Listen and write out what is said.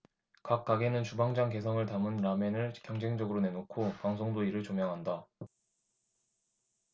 각 가게는 주방장 개성을 담은 라멘을 경쟁적으로 내놓고 방송도 이를 조명한다